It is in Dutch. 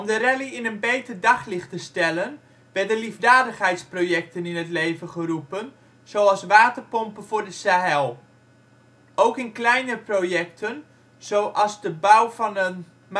in een beter daglicht te stellen, werden liefdadigheidsprojecten in het leven geroepen zoals waterpompen voor de Sahel. Ook in kleinere projecten zoals de bouw van een materniteit